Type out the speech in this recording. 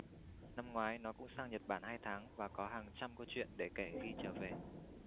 năm ngoái nó cũng sang nhật bản hai tháng và có hàng trăm câu truyện để kể khi trở về